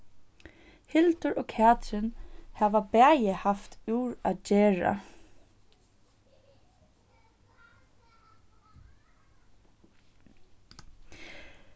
hildur og katrin hava bæði havt úr at gera